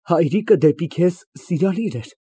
Հայրիկը սիրալիր էր դեպի քեզ։